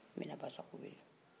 n bɛna basago wele